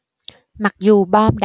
mặc dù bom